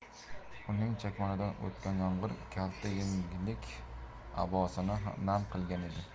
uning chakmonidan o'tgan yomg'ir kalta yenglik abosini nam qilgan edi